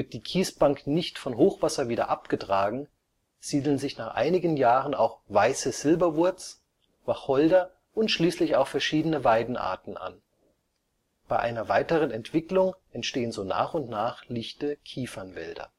die Kiesbank nicht von Hochwasser wieder abgetragen, siedeln sich nach einigen Jahren auch Weiße Silberwurz, Wacholder und schließlich auch verschiedene Weidenarten an. Bei einer weiteren Entwicklung entstehen so nach und nach lichte Kiefernwälder